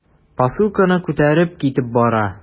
Посылканы күтәреп китеп бара.